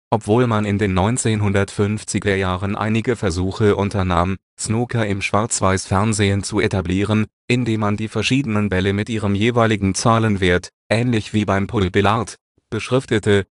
Obwohl man in den 1950er Jahren einige Versuche unternahm, Snooker im Schwarz-Weiß-Fernsehen zu etablieren, indem man die verschiedenen Kugeln mit ihrem jeweiligen Zahlenwert (ähnlich wie beim Poolbillard) beschriftete